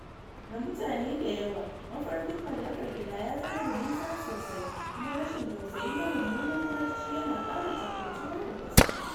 Ga mutane da yawa mafarkin mallakar gida ya zama da nisa sosai, kuma rashin tausayi na mummunan barci yana kara tabbatuwa da gaske. "